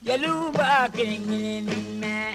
Jeliw ba kelen kelen ni mɛn.